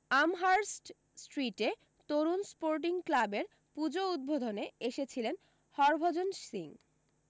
Amherst স্ট্রীটে Tarun sporting ক্লাবের পূজো উদ্বোধনে এসেছিলেন হরভজন সিং